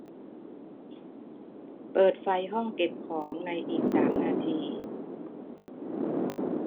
เปิดไฟห้องเก็บของในอีกสามนาที